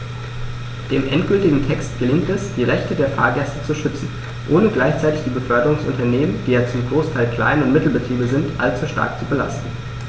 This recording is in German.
Dem endgültigen Text gelingt es, die Rechte der Fahrgäste zu schützen, ohne gleichzeitig die Beförderungsunternehmen - die ja zum Großteil Klein- und Mittelbetriebe sind - allzu stark zu belasten.